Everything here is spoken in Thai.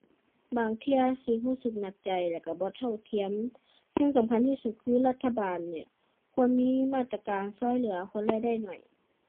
บางเที่ยสิรู้สึกหนักใจแล้วรู้บ่เท่าเทียม สิ่งสำคัญที่สุดคือรัฐบาลนี่ควรมีมาตรการรู้เหลือคนรายได้น้อย